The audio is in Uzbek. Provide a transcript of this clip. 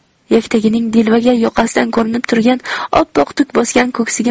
yaktagining delvagay yoqasidan ko'rinib turgan oppoq tuk bosgan ko'ksiga